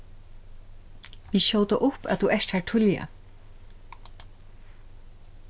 vit skjóta upp at tú ert har tíðliga